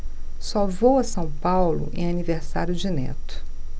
só vou a são paulo em aniversário de neto